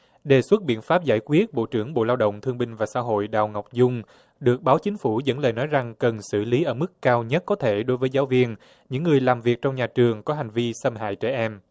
đề xuất biện pháp giải quyết bộ trưởng bộ lao động thương binh và xã hội đào ngọc dung được báo chính phủ dẫn lời nói rằng cần xử lý ở mức cao nhất có thể đối với giáo viên những người làm việc trong nhà trường có hành vi xâm hại trẻ em